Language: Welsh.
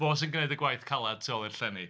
fo sy'n gneud y gwaith caled tu ôl i'r llenni